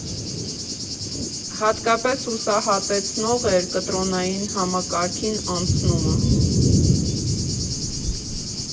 Հատկապես հուսահատեցնող էր կտրոնային համակարգին անցումը։